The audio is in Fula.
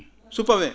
suppame